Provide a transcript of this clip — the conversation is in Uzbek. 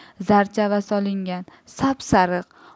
zarchava solingan sapsariq